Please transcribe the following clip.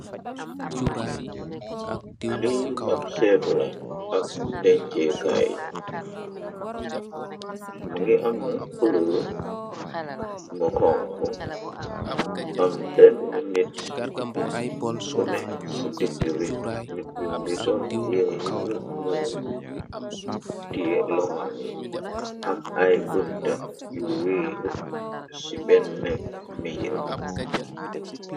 Liil ab seetu la ak denceekaay mu ngi amu xule bu xonx am benn nit bune ci digg be nit bim ngi sol yere yu nuulu ti loxan yi am ay bunta yu wéeru ci benn mbiyir bi.